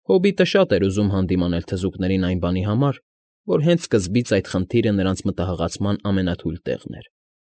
Հոբիտը շատ էր ուզում հանդիմանել թզուկներին այն բանի համար, որ հենց սկզբից այդ խնդիրը նրանց մտահղացման ամենաթույլ տեղն էր։